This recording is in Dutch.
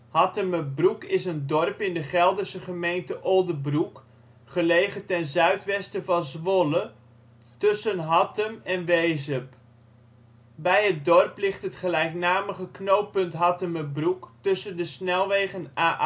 Attemerbroek) is een dorp in de Gelderse gemeente Oldebroek, gelegen ten zuidwesten van Zwolle, tussen Hattem en Wezep. Bij het dorp ligt het gelijknamige knooppunt Hattemerbroek tussen de snelwegen A28 en A50